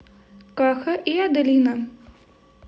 каха и аделина